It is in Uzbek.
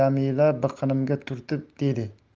jamila biqinimga turtib dedi